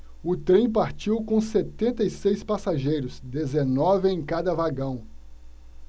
o trem partiu com setenta e seis passageiros dezenove em cada vagão